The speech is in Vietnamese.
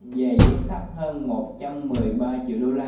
giày dép thấp hơn một trăm mười ba triệu đô la